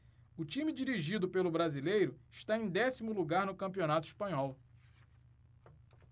o time dirigido pelo brasileiro está em décimo lugar no campeonato espanhol